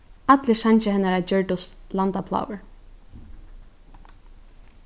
allir sangir hennara gjørdust landaplágur